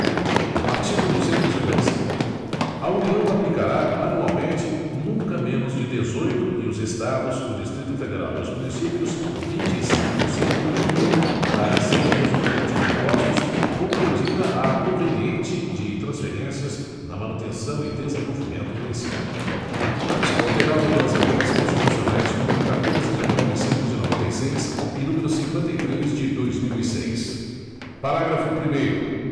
artigo duzentos e doze a união aplicará anualmente nunca menos de dezoito e os estados o distrito federal e os municípios vinte e cinco por cento no mínimo da receita resultante de impostos compreendida a proveniente de transferências na manutenção e desenvolvimento do ensino artigo alterado pelas emendas constitucionais número catorze de mil novecentos e noventa e seis e número cinqüenta e três de dois mil e seis parágrafo primeiro